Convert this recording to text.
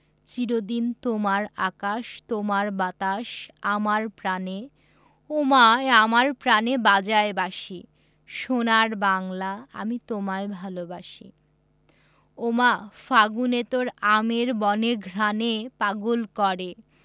চির দিন তোমার আকাশ তোমার বাতাস আমার প্রাণে ওমা আমার প্রানে বাজায় বাঁশি সোনার বাংলা আমি তোমায় ভালোবাসি ওমা ফাগুনে তোর আমের বনে ঘ্রাণে পাগল করে